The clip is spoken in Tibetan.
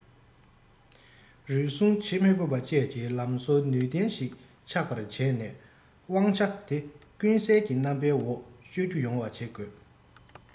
རུལ སུངས བྱེད མི ཕོད པ བཅས ཀྱི ལམ སྲོལ ནུས ལྡན ཞིག ཆགས པར བྱས ནས དབང ཆ དེ ཀུན གསལ གྱི རྣམ པའི འོག སྤྱོད རྒྱུ ཡོང བ བྱེད དགོས